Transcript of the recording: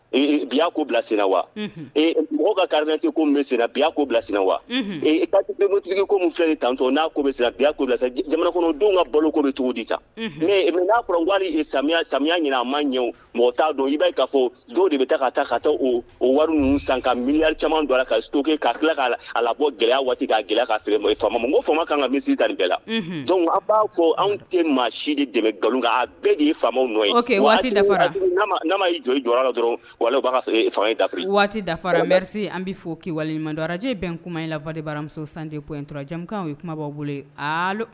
Bi sen wa mɔgɔ ka karite bɛ biya ko bila sen wa eemotigi ko fɛn n'a bi jamana ka balo bɛ cogo di ca na sami a ma ɲɛ mɔgɔ t'a don i' ka fɔ de bɛ ka ta ka taa o o wari ninnu san ka mini caman k ka so kɛ ka'a a la bɔ gɛlɛya kaa gɛlɛya kaere ma ye faama mun ko faamama kan ka misi dankɛla la a b'a fɔ anw tɛ maa si de dɛmɛ nkalon kan a bɛɛ' faw ye waati dafa joli jɔ la dɔrɔn sɔrɔ fanga dafa waati dafarameri an bɛ fɔ kiba wale araj bɛn kuma in la waati baramuso san yen tora jamumu o ye kuma' bolo